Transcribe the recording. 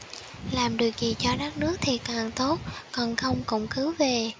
làm được gì cho đất nước thì càng tốt còn không cũng cứ về